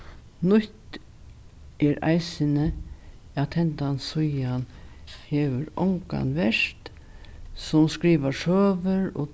nýtt er eisini at hendan síðan hevur ongan vert sum skrivar søgur og